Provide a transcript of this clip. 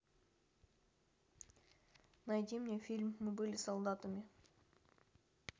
найди мне фильм мы были солдатами